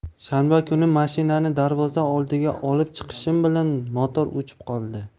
shanba kuni mashinani darvoza oldiga olib chiqishim bilan motor o'chib qoldi